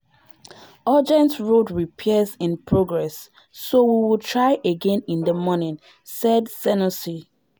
“Urgent road repairs in progress so we will try again in the morning,” said Cernuschi.